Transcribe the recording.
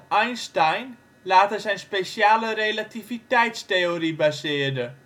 Einstein later zijn speciale relativiteitstheorie baseerde